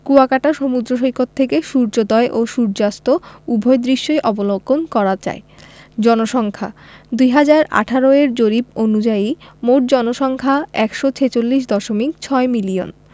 কুয়াকাটা সমুদ্র সৈকত থেকে সূর্যোদয় ও সূর্যাস্ত উভয় দৃশ্যই অবলোকন করা যায় জনসংখ্যাঃ ২০১৮ এর জরিপ অনুযায়ী মোট জনসংখ্যা ১৪৬দশমিক ৬ মিলিয়ন